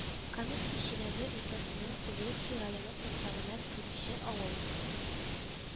Каменский Чиләбе өлкәсенең Увельский районы составына керүче авыл